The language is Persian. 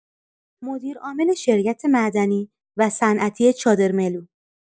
مدیرعامل شرکت معدنی و صنعتی چادرملو